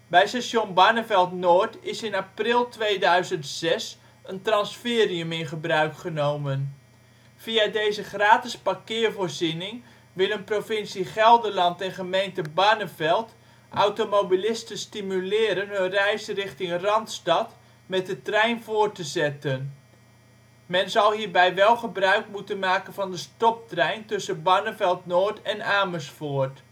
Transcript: Bij station Barneveld Noord is in april 2006 een transferium in gebruik genomen. Via deze gratis parkeervoorziening willen provincie Gelderland en gemeente Barneveld automobilisten stimuleren hun reis richting Randstad met de trein voort te zetten. Men zal hierbij wel gebruik moeten maken van de stoptrein tussen Barneveld Noord en Amersfoort